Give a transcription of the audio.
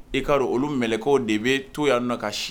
E kaa don olu mkaw de bɛ to' nɔ ka si